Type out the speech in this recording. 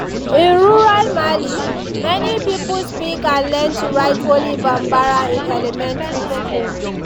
In rural Mali, many people speak and learn to write only Bambara in elementary school.